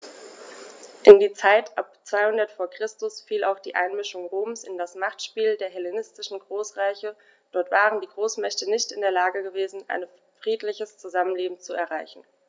In die Zeit ab 200 v. Chr. fiel auch die Einmischung Roms in das Machtspiel der hellenistischen Großreiche: Dort waren die Großmächte nicht in der Lage gewesen, ein friedliches Zusammenleben zu erreichen.